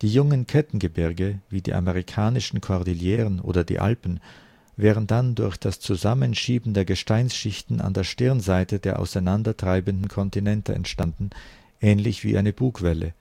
jungen Kettengebirge, wie die amerikanischen Kordilleren oder die Alpen, wären dann durch das Zusammenschieben der Gesteinsschichten an der Stirnseite der auseinander treibenden Kontinente entstanden, ähnlich wie eine Bugwelle